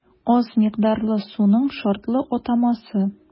Аз микъдарлы суның шартлы атамасы.